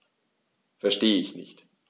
Verstehe nicht.